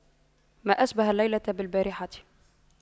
ما أشبه الليلة بالبارحة